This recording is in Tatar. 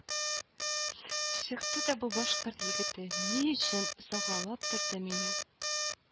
Чыкты да бу башкорт егете, ни өчен сагалап торды мине